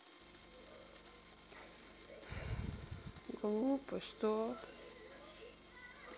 глупо что